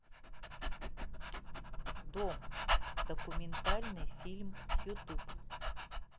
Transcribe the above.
дом документальный фильм ютуб